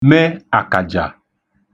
me àkàjà